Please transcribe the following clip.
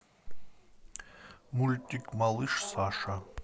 мультик малыш саша